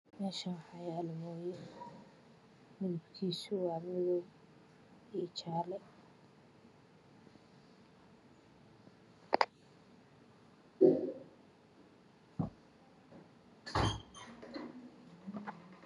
Meshan waxa yaalo maleye midabkisa wa madow iyo jaale